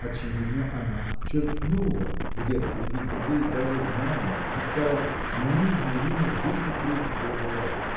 очевидно, она черпнула где-то других идей, даже знаний, и стала неизмеримо выше круга, где жила.